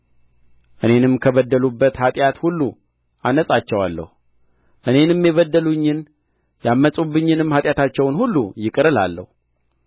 እኔንም ከበደሉበት ኃጢአት ሁሉ አነጻቸዋለሁ እኔንም የበደሉኝን ያመፀብኝንም ኃጢአታቸውን ሁሉ ይቅር እላለሁ